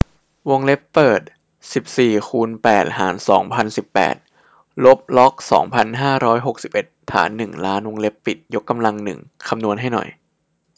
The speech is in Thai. วงเล็บเปิดสิบสี่คูณแปดหารสองพันสิบแปดลบล็อกสองพันห้าร้อยหกสิบเอ็ดฐานหนึ่งล้านวงเล็บปิดยกกำลังหนึ่งคำนวณให้หน่อย